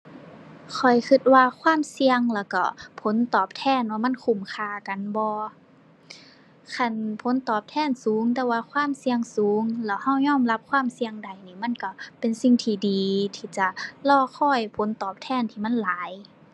ข้อยคิดว่าความเสี่ยงแล้วก็ผลตอบแทนว่ามันคุ้มค่ากันบ่ คันผลตอบแทนสูงแต่ว่าความเสี่ยงสูงแล้วคิดยอมรับความเสี่ยงได้นี่ มันคิดเป็นสิ่งที่ดีที่จะรอคอยผลตอบแทนที่มันหลาย